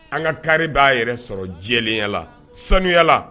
An ka carré b'a yɛrɛ sɔrɔ jɛlenya la, sanuyala.